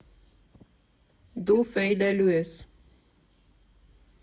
Դու ֆեյլելու ես։